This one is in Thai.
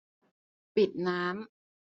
ปิดน้ำ